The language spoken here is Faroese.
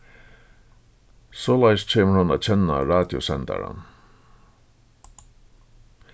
soleiðis kemur hon at kenna radiosendaran